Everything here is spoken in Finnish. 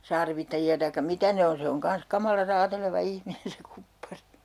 sarvittajia tai mitä ne on se on kanssa kamala raateleva ihminen se kuppari